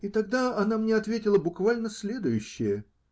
И тогда она мне ответила буквально следующее.